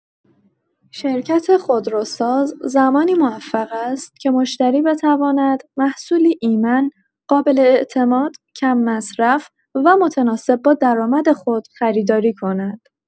شرکت خودروساز زمانی موفق است که مشتری بتواند محصولی ایمن، قابل‌اعتماد، کم‌مصرف و متناسب با درآمد خود خریداری کند.